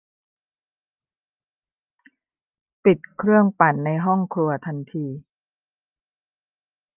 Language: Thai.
ปิดเครื่องปั่นในห้องครัวทันที